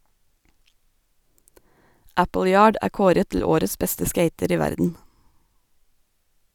Appleyard er kåret til årets beste skater i verden.